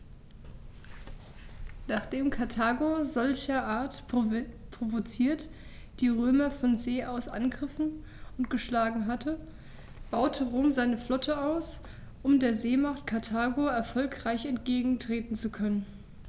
Nachdem Karthago, solcherart provoziert, die Römer von See aus angegriffen und geschlagen hatte, baute Rom seine Flotte aus, um der Seemacht Karthago erfolgreich entgegentreten zu können.